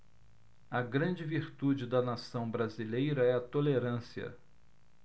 a grande virtude da nação brasileira é a tolerância